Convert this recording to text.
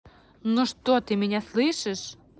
ну что ты меня слышишь